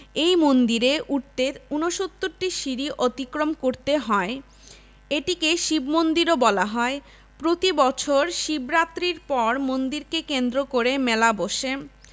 এই মন্দিরে উঠতে ৬৯টি সিঁড়ি অতিক্রম করতে হয় এটিকে শিব মন্দিরও বলা হয় প্রতিবছর শিবরাত্রির পর মন্দিরকে কেন্দ্র করে মেলা বসে